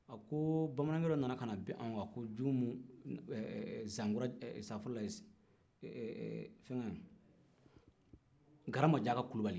a ko bamanankɛ dɔ nana ka na bin anw kan ko jumu eee eee zankura eee safurulaye eee eee eee eee eee fɛn kɛ garanbajaka kulibali